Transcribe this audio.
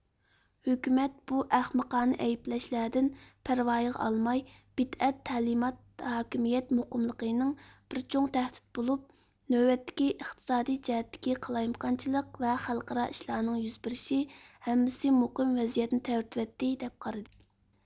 ھۆكۈمەت بۇ ئەخمىقانە ئەيىبلەشلەردىن پەرۋايىغا ئالماي بىدئەت تەلىمات ھاكىمىيەت مۇقىملىقىنىڭ بىر چوڭ تەھدىت بولۇپ نۆۋەتتىكى ئىقتىسادىي جەھەتتىكى قالايمىقانچىلىق ۋە خەلقئارا ئىشلارنىڭ يۈز بېرىشى ھەممىسى مۇقىم ۋەزىيەتنى تەۋرىتىۋەتتى دەپ قارىدى